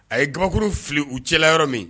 A ye kabakuru fili u cɛla yɔrɔ min